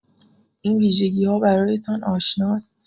این ویژگی‌ها برایتان آشناست؟